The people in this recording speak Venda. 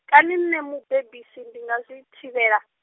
kani nṋe mubebisi ndi nga zwi thivhela?